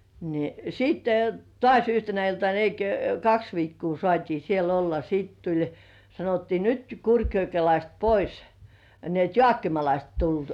niin sitten taas yhtenä iltana niin ei kuin kaksi viikkoa saatiin siellä olla sitten tuli sanottiin nyt kurkijokelaiset pois niin että jaakkimalaiset tulevat